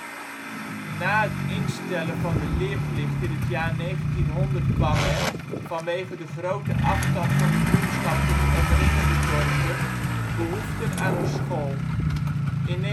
Na het instellen van de leerplicht in het jaar 1900 kwam er, vanwege de grote afstand van de buurtschap tot de omringende dorpen, behoefte aan een school. In